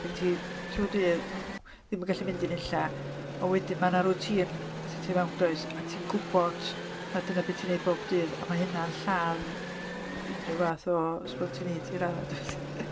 Pan ti, trwy'r dydd, ddim yn gallu mynd i nunlla a wedyn mae 'na routine setio fewn does, a ti'n gwbod na dyna be ti'n neud bob dydd a ma' hynna'n lladd unrw fath o spontaneity i radda dwyt .